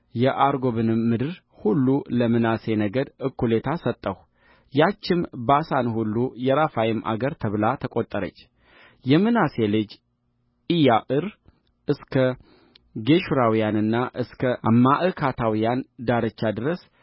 የአርጎብንም ምድር ሁሉ ለምናሴ ነገድ እኩሌታ ሰጠሁ ያችም ባሳን ሁሉ የራፋይም አገር ተብላ ተቈጠረችየምናሴ ልጅ ኢያዕር እስከ ጌሹራውያንና እስከ ማዕካታውያን ዳርቻ ድረስ